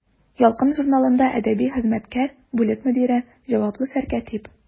«ялкын» журналында әдәби хезмәткәр, бүлек мөдире, җаваплы сәркәтиб.